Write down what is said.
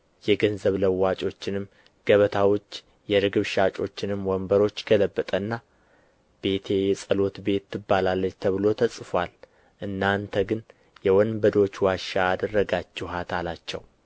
የገንዘብ ለዋጮችንም ገበታዎች የርግብ ሻጮችንም ወንበሮች ገለበጠና ቤቴ የጸሎት ቤት ትባላለች ተብሎ ተጽፎአል እናንተ ግን የወንበዶች ዋሻ አደረጋችኋት አላቸው